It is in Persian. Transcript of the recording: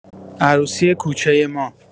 عروسی کوچۀ ما